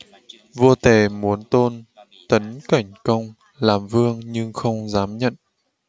vua tề muốn tôn tấn cảnh công làm vương nhưng ông không dám nhận